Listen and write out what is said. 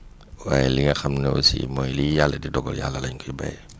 waaye li nga xam ne aussi mooy li yàlla di dogal yàlla lañ koy bàyyee